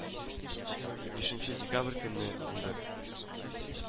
Бишенче декабрь көнне ун бер